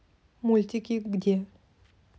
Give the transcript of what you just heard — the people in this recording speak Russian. мультики где